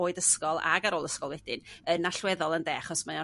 oed ysgol ag ar ôl ysgol wedyn yn allweddol ynde? Achos mae o'n